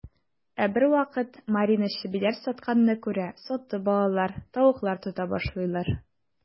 Ә бервакыт Марина чебиләр сатканны күрә, сатып алалар, тавыклар тота башлыйлар.